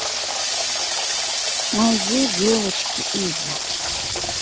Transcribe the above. найди девочки из